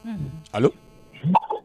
A